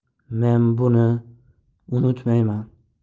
men buni unutmayman